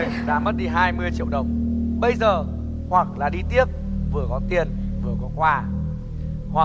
đã mất đi hai mươi triệu đồng bây giờ hoặc là đi tiếp vừa có tiền vừa có quà hoặc